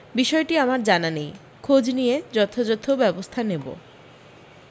বিষয়টি আমার জানা নেই খোঁজ নিয়ে যথাযথ ব্যবস্থা নেব